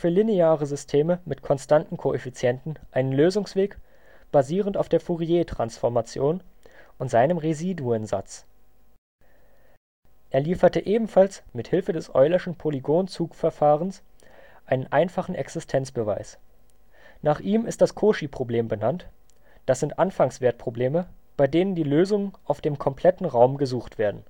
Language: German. lineare Systeme mit konstanten Koeffizienten einen Lösungsweg, basierend auf der Fourier-Transformation und seinem Residuensatz. Er lieferte ebenfalls mit Hilfe des eulerschen Polygonzugverfahrens einen einfachen Existenzbeweis. Nach ihm ist das Cauchy-Problem benannt, das sind Anfangswertprobleme, bei denen die Lösungen auf dem kompletten Raum gesucht werden